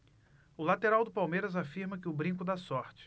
o lateral do palmeiras afirma que o brinco dá sorte